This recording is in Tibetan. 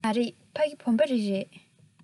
མ རེད ཕ གི བུམ པ རི རེད